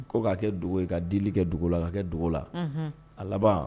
Ko k'a kɛ dogo ye ka dili kɛ dogo la k'a kɛ dogo la, unhun, a laban